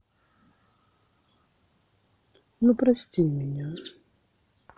ну прости меня